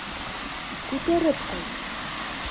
Күтәреп кайт.